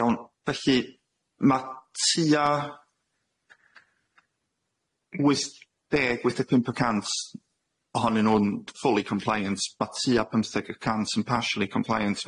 Iawn felly ma' tua wyth deg wyth deg pump y cant ohonyn nw'n fully compliant, ma' tua pymtheg y cant yn partially compliant,